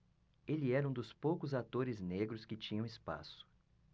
ele era um dos poucos atores negros que tinham espaço